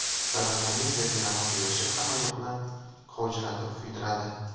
saratonning jazirama quyoshi hammayoqni qovjiratib kuydiradi